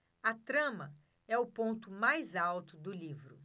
a trama é o ponto mais alto do livro